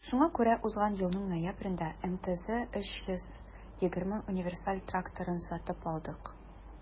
Шуңа күрә узган елның ноябрендә МТЗ 320 универсаль тракторын сатып алдык.